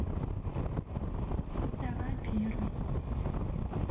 давай первый